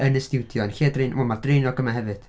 Yn y stiwdio yn lle Draenog... wel, mae Draenog yma hefyd.